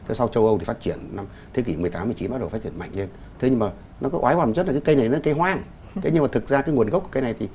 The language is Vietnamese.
sau châu âu để phát triển thế kỷ mười tám mới chỉ bắt đầu phát triển mạnh như thế nhưng mà nó có oái oăm nhất là những cây này là cây hoang thế nhưng thực ra nguồn gốc cái này thì